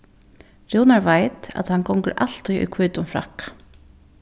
rúnar veit at hann gongur altíð í hvítum frakka